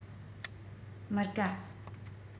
མི དགའ